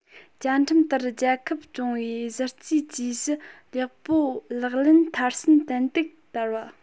བཅའ ཁྲིམས ལྟར རྒྱལ ཁབ སྐྱོང བའི གཞི རྩའི ཇུས གཞི ཆེན པོ ལག ལེན མཐར ཕྱིན ཏན ཏིག བསྟར བ